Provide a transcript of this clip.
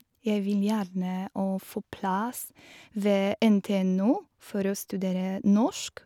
Jeg vil gjerne å få plass ved NTNU for å studere norsk.